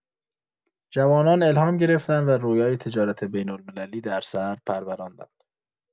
جوانان الهام گرفتند و رویای تجارت بین‌المللی در سر پروراندند.